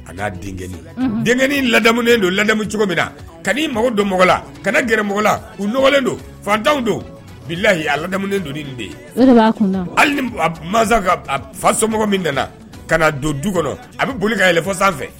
A n'a den denk ladamu don ladamu cogo min na ka mago don mɔgɔla ka gɛrɛ mɔgɔla u nɔgɔlen don fatan don bi layi a ladamu don ni de ye hali masa ka fa somɔgɔ min nana ka na don du kɔnɔ a bɛ boli kaɛlɛn sanfɛ